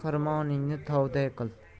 xirmoningni tovday qil